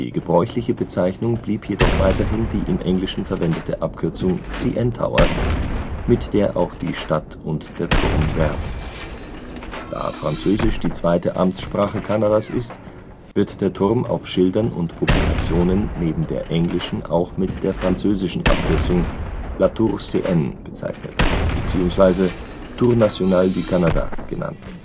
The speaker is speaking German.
gebräuchliche Bezeichnung blieb jedoch weiterhin die im Englischen verwendete Abkürzung CN Tower, mit der auch die Stadt und der Turm werben. Da Französisch die zweite Amtssprache Kanadas ist, wird der Turm auf Schildern und Publikationen neben der englischen auch mit der französischen Abkürzung La Tour CN bezeichnet, beziehungsweise Tour nationale du Canada genannt